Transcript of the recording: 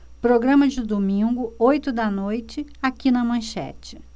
programa de domingo oito da noite aqui na manchete